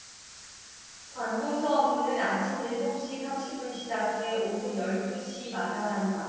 관공서 업무는 아침 일곱 시 삼십 분 시작해 오후 열 두 시 마감한다